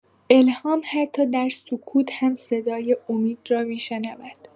الهام حتی در سکوت هم صدای امید را می‌شنود.